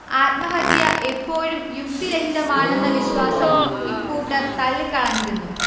ആത്മഹത്യ എപ്പോഴും യുക്തിരഹിതമാണെന്ന വിശ്വാസം ഇക്കൂട്ടർ തള്ളിക്കളഞ്ഞിരുന്നു